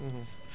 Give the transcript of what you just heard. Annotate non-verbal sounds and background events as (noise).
(hesitation) (hesitation)